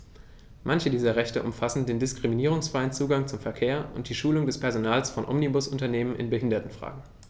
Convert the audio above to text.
Manche dieser Rechte umfassen den diskriminierungsfreien Zugang zum Verkehr und die Schulung des Personals von Omnibusunternehmen in Behindertenfragen.